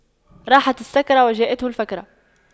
راحت السكرة وجاءت الفكرة